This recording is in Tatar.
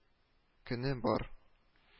Көне бар